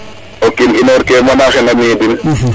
okin unor ke man a xena ni din